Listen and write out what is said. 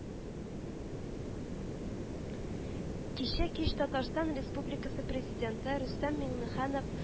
Кичә кич Татарстан Республикасы Президенты Рөстәм Миңнеханов